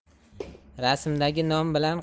rasmdagi non bilan